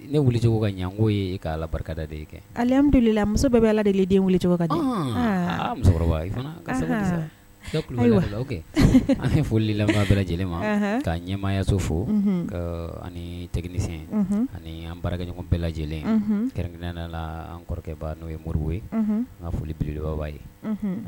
Ne wuli cɛw ka ɲgo ye k ka ala barikada de kɛ ale delila muso bɛ ala deliden weele cɛw ka di musokɔrɔba ye kɛ an folila bɛ lajɛlen ma ka ɲɛmayaso fo ani tɛsi ani an barikakɛɲɔgɔn bɛɛ lajɛlen kɛrɛnk la an kɔrɔkɛba n'o ye mori ye n ka foli belelibawba ye